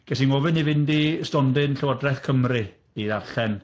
Ges i'n ngofyn i fynd i stondin Llywodraeth Cymru i ddarllen.